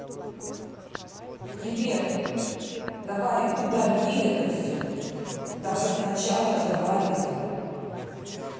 привет давай удали это все давай сначала разговаривать